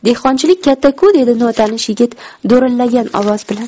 dehqonchilik katta ku dedi notanish yigit do'rillagan ovoz bilan